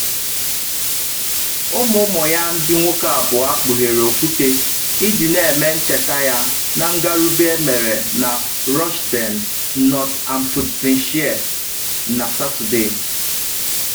Ụmụ ụmụ ya ndị nwoke abụọ kpughere okwute iji na-eme ncheta ya na ngarube emere na Rushden, Northamptonshire, na Satọde.